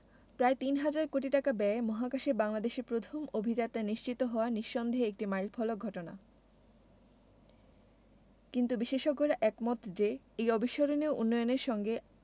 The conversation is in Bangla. প্রায় তিন হাজার কোটি টাকা ব্যয়ে মহাকাশে বাংলাদেশের প্রথম অভিযাত্রা নিশ্চিত হওয়া নিঃসন্দেহে একটি মাইলফলক ঘটনা কিন্তু বিশেষজ্ঞরা একমত যে এই অবিস্মরণীয় উন্নয়নের সঙ্গে